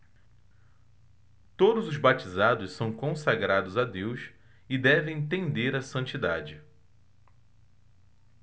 todos os batizados são consagrados a deus e devem tender à santidade